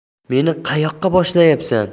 meni qayoqqa boshlayapsan